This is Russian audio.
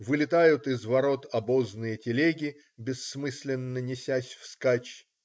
Вылетают из ворот обозные телеги, бессмысленно несясь вскачь.